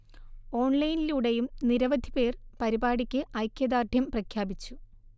ഓൺലൈനിലൂടെയും നിരവധി പേർ പരിപാടിക്ക് ഐക്യദാർഢ്യം പ്രഖ്യാപിച്ചു